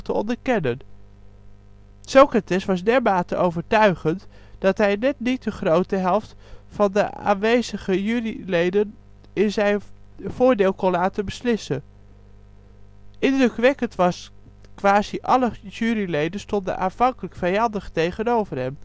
onderkennen. Socrates was dermate overtuigend dat hij net niet de grote helft van de aanwezige juryleden in zijn voordeel kon laten beslissen (indrukwekkend, want quasi alle juryleden stonden aanvankelijk vijandig tegenover hem